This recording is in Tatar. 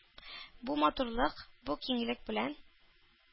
Бу матурлык, бу киңлек белән